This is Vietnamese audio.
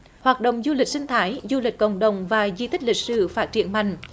hoạt động du lịch sinh thái du lịch cộng đồng vài di tích lịch sử phát triển mạnh